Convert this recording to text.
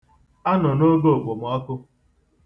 A nọ n'oge okpomọkụ.